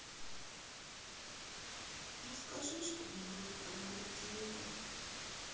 расскажи что нибудь про мальдивы